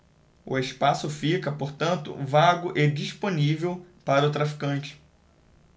o espaço fica portanto vago e disponível para o traficante